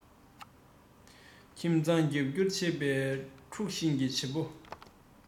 ཁྱིམ ཚང རྒྱབ བསྐྱུར བྱེད པའི དཀྲུག ཤིང གི བྱེད པོ